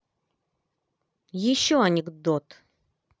еще анекдот